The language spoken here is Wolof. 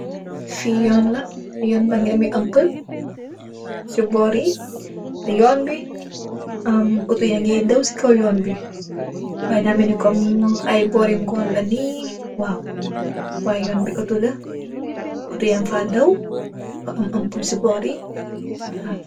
Fii Yoon la, Yoon waa ngi am am pool. Si boori Yoon bi, Otto yaangee daw si kow Yoon bi. Waay dafa melni, ay boori ngoon la nii. Waaw, waay yooni Otto la, am pool si boori, waaw.